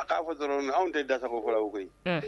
A k'a fɔ dɔrɔn mais anw tɛ dasago fɔlɔ koyi